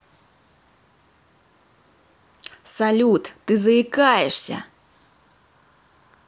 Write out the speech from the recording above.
салют ты заикаешься